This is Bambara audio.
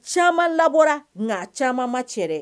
Caman labɔra nk'a caman ma cɛ dɛ !